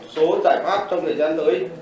số giải pháp trong thời gian tới